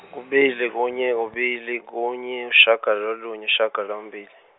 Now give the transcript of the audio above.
kubili kunye kubili kunye isishagalolunye isishagalombili.